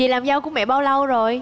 chị làm dâu của mẹ bao lâu rồi